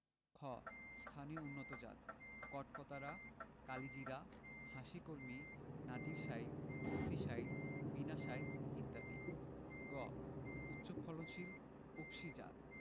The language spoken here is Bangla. খ স্থানীয় উন্নতজাতঃ কটকতারা কালিজিরা হাসিকলমি নাজির শাইল লতিশাইল বিনাশাইল ইত্যাদি গ উচ্চফলনশীল উফশী জাতঃ